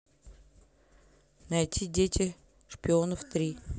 найти дети шпионов три